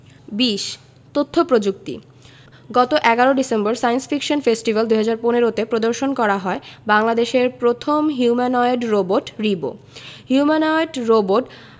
২০ তথ্য প্রযুক্তি গত ১১ ডিসেম্বর সায়েন্স ফিকশন ফেস্টিভ্যাল ২০১৫ তে প্রদর্শন করা হয় বাংলাদেশের প্রথম humanoid robot Ribo humanoid robot